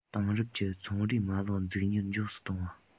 དེང རབས ཀྱི ཚོང རའི མ ལག འཛུགས མྱུར མགྱོགས སུ གཏོང བ